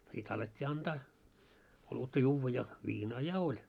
sitten alettiin antaa olutta juoda ja viinaa ja oli